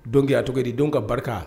Donc a tɔgɔ ye di denw ka barika